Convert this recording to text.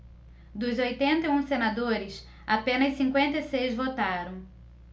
dos oitenta e um senadores apenas cinquenta e seis votaram